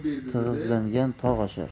tig'izlagan tog' oshar